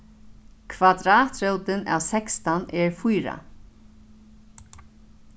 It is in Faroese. kvadratrótin av sekstan er fýra